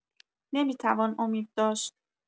نمی‌توان امید داشت.